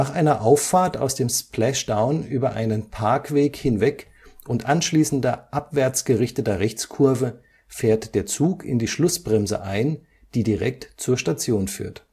einer Auffahrt aus dem Splashdown über einen Parkweg hinweg und anschließender abwärts gerichteter Rechtskurve fährt der Zug in die Schlussbremse ein, die direkt zur Station führt